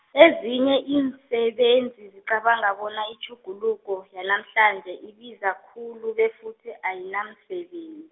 ezinye iinsebenzi zicabanga bona itjhuguluko, yanamhlanje ibiza khulu, befuthi ayinamsebenz-.